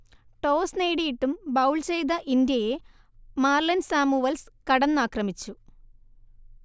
toss നേടിയിട്ടും bowl ചെയ്ത ഇന്ത്യയെ മാർലൺ സാമുവൽസ് കടന്നാക്രമിച്ചു